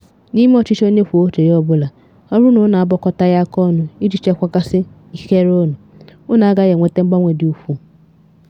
N'ime ọchịchị onye kwuo uche ya ọbụla, ọ bụrụ na unu agbakọtaghị aka ọnụ iji chekwa gasịa ikikere unu, unu agaghị enweta mgbanwe dị ukwuu.